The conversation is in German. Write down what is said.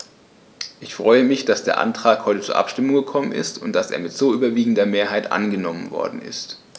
Ich freue mich, dass der Antrag heute zur Abstimmung gekommen ist und dass er mit so überwiegender Mehrheit angenommen worden ist.